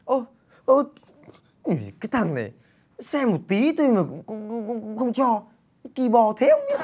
ơ ơ cái thằng này xem một tí thôi mà cũng không cho ki bo thế